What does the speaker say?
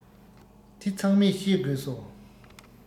དེ ཚང མས ཤེས དགོས སོ